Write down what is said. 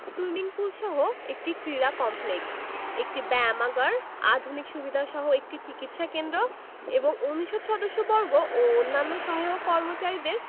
swimming পুলসহ একটি ক্রীড়া কমপ্লেক্স একটি ব্যায়ামাগার আধুনিক সুবিধাসহ একটি চিকিৎসা কেন্দ্র এবং অনুষদ সদস্যবর্গ ও অন্যান্য সহায়ক কর্মচারীদের